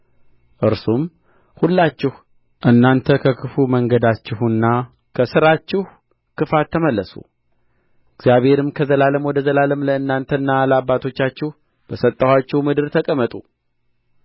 እርሱም ሁላችሁ እናንተ ከክፉ መንገዳችሁና ከሥራችሁ ክፋት ተመለሱ እግዚአብሔርም ከዘላለም ወደ ዘላለም ለእናንተና ለአባቶቻችሁ በሰጣችሁ ምድር ተቀመጡ